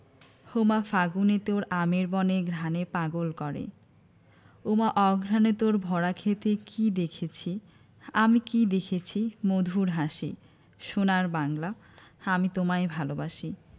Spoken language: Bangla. ওমা ফাগুনে তোর আমের বনে ঘ্রাণে পাগল করে ওমা অঘ্রানে তোর ভরা ক্ষেতে কী দেখেছি আমি কী দেখেছি মধুর হাসি সোনার বাংলা আমি তোমায় ভালোবাসি